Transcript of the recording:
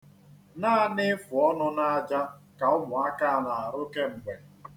Naanị ịfụ ọnụ n'aja ka ụmụaka a na-arụ kemgbe.